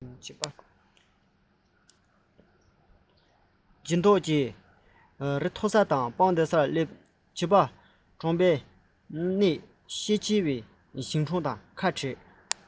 སྦྱིན བདག གི ཁ པ རི མཐོ ས དང སྤང བདེ སར སླེབས བྱིས པ གྲོངས པའི གནས ཤེས བྱ བའི ཞིང གྲོང དང ཁ བྲལ